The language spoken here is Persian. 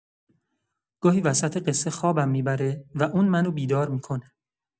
گاهی وسط قصه خوابم می‌بره و اون منو بیدار می‌کنه.